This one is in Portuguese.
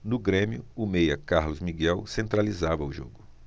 no grêmio o meia carlos miguel centralizava o jogo